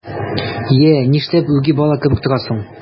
Йә, нишләп үги бала кебек торасың?